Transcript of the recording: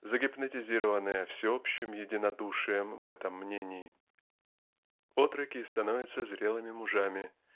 загипнотизированная всеобщим единодушием в этом мнении. Отроки становятся зрелыми мужами